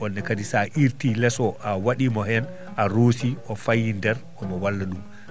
oon ne kadi so a irtii lees o a waɗiimo heen a roosii o fayii ndeer o walla ɗum